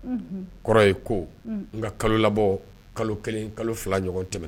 Unhun; Kɔrɔ ye ko; Unhun ;n nka kalo labɔ, kalo 1, kalo 2 ɲɔgɔn tɛmɛ.